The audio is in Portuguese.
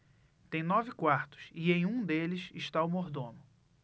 tem nove quartos e em um deles está o mordomo